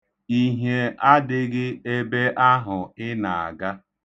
Ihie adịghị ebe ahụ ị na-aga.